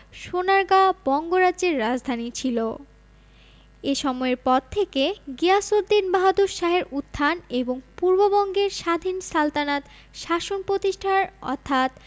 সোনারগাঁ বঙ্গরাজ্যের রাজধানী ছিল এ সময়ের পর থেকে গিয়াসুদ্দীন বাহাদুর শাহের উত্থান এবং পূর্ববঙ্গে স্বাধীন সালতানাত শাসন প্রতিষ্ঠার অর্থাৎ